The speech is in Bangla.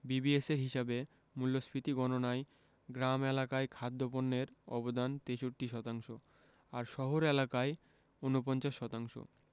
বিবিএসের হিসাবে মূল্যস্ফীতি গণনায় গ্রাম এলাকায় খাদ্যপণ্যের অবদান ৬৩ শতাংশ আর শহর এলাকায় ৪৯ শতাংশ